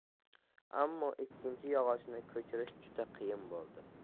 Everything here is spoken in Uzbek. ammo ikkinchi yog'ochni ko'chirish juda qiyin bo'ldi